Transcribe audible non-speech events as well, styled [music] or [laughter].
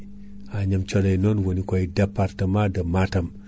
[noise] Agnam Thioday non woni koye département de Matam